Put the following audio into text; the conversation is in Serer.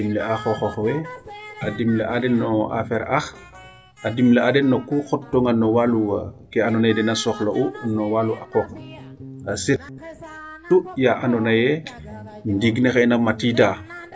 A dimle'a xooxoox we, a dimle'aa den na affaire ax ,a dimle'a den no ku xotoona no walu ke andoona yee den a soxla'u no walu a qooq surtout yaa andoona yee ndiig ne xay na matidkaa.